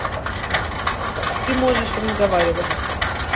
ты можешь разговаривать